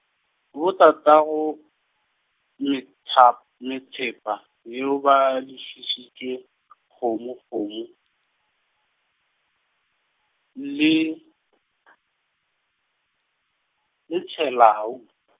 bo tatago metha-, methepa yeo ba le lefišitšwe , kgomo kgomo, le , le tshelau .